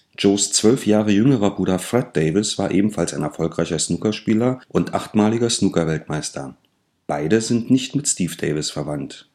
Joes zwölf Jahre jüngerer Bruder Fred Davis war ebenfalls ein erfolgreicher Snookerspieler und achtmaliger Snooker-Weltmeister. Beide sind nicht mit Steve Davis verwandt